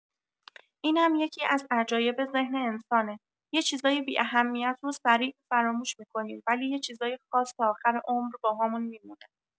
اینم یکی‌از عجایب ذهن انسانه، یه چیزای بی‌اهمیت رو سریع فراموش می‌کنیم ولی یه چیزای خاص تا آخر عمر باهامون می‌مونه.